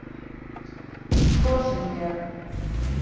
бофингер